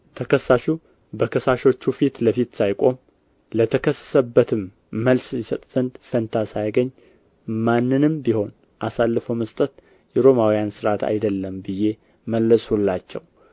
ተከሳሹ በከሳሾቹ ፊት ለፊት ሳይቆም ለተከሰሰበትም መልስ ይሰጥ ዘንድ ፈንታ ሳያገኝ ማንንም ቢሆን አሳልፎ መስጠት የሮማውያን ሥርዓት አይደለም ብዬ መለስሁላቸው